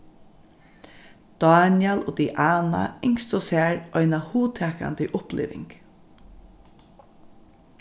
dánjal og diana ynsktu sær eina hugtakandi uppliving